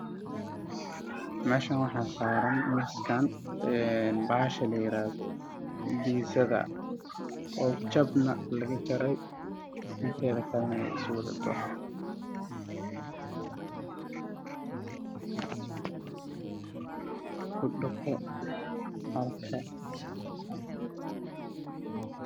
Halkaan waxaa saaran pizza miis saaran jab ayaana laga sii qaadanayaa